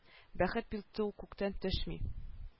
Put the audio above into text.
Бәхет бит ул күктән төшми